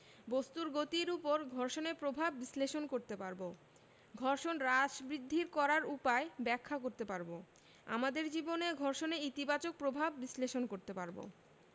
বস্তুর গতির উপর ঘর্ষণের প্রভাব বিশ্লেষণ করতে পারব ঘর্ষণ হ্রাস বৃদ্ধি করার উপায় ব্যাখ্যা করতে পারব আমাদের জীবনে ঘর্ষণের ইতিবাচক প্রভাব বিশ্লেষণ করতে পারব